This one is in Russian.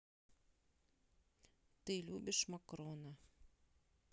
ты любишь макрона